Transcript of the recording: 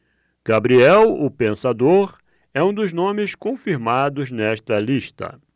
gabriel o pensador é um dos nomes confirmados nesta lista